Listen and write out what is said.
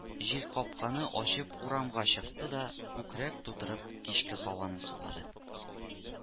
Җилкапканы ачып урамга чыкты да күкрәк тутырып кичке һаваны сулады